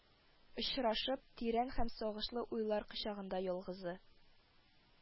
Очрашып, тирән һәм сагышлы уйлар кочагында ялгызы